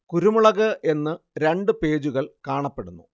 കുരുമുളക് എന്ന് രണ്ട് പേജുകൾ കാണപ്പെടുന്നു